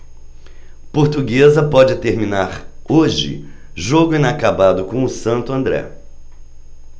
portuguesa pode terminar hoje jogo inacabado com o santo andré